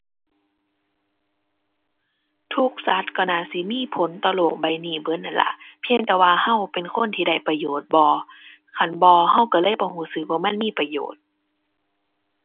ทุกสัตว์ก็น่าสิมีผลต่อโลกใบนี้เบิดนั่นล่ะ เพียงแต่ว่าก็เป็นคนที่ได้ประโยชน์บ่ คันบ่ก็ก็เลยบ่ก็สึกว่ามันมีประโยชน์